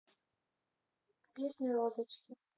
песня розочки